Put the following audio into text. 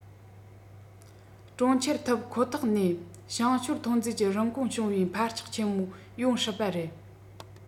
གྲོང ཁྱེར ཐུབ ཁོ ཐག ནས ཞིང ཞོར ཐོན རྫས ཀྱི རིན གོང བྱུང བའི འཕར ཆག ཆེན པོ ཡོང སྲིད པ རེད